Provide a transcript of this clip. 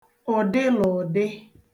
ụ̀dịlụdị̀